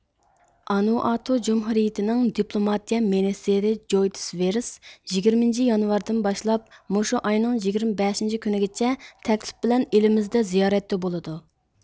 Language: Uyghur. ئانۇئاتۇ جۇمھۇرىيىتىنىڭ دىپلۇماتىيە مىنىستىرى جويتىس ۋېرس يىگىرمىنچى يانۋاردىن باشلاپ مۇشۇ ئاينىڭ يىگىرمە بەشىنچى كۈنىگىچە تەكلىپ بىلەن ئېلىمىزدە زىيارەتتە بولىدۇ